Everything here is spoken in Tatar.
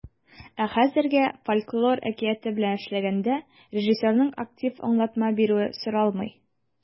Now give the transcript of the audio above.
Ә хәзергә фольклор әкияте белән эшләгәндә режиссерның актив аңлатма бирүе соралмый.